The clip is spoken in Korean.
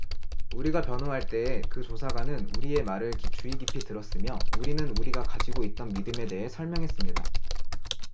우리가 변호할 때에 그 조사관은 우리의 말을 주의 깊이 들었으며 우리는 우리가 가지고 있던 믿음에 대해 설명했습니다